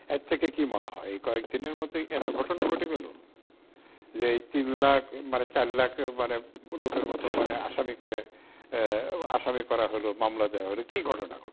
এর থেকে কি মনে হয় এই কয়েকদিনের মধ্যে এত ঘটনা ঘটে গেল যে এই তিন লাখ মানে ৪ লাখ মানে লোকের মতন আসামি করে আসামি করা হল মামলা দেয়া হল কি ঘটনা